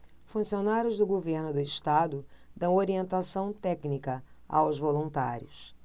funcionários do governo do estado dão orientação técnica aos voluntários